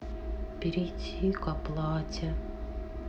перейти к оплате